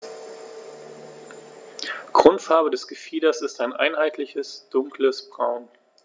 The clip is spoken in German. Grundfarbe des Gefieders ist ein einheitliches dunkles Braun.